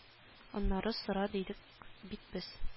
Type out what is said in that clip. Аннары сыра дидек бит без